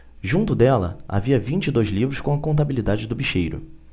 junto dela havia vinte e dois livros com a contabilidade do bicheiro